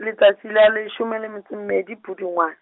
le tsatsi la leshome le metso e mmedi Pudungwane.